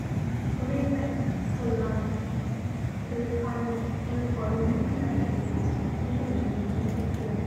Orí-ilẹ̀ tó lanu Fòlikánò ńpọ̀ eérú jáde ní Ìlú Mẹ́ṣíkò